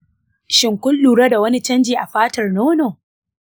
shin kun lura da wani canji a fatar nono?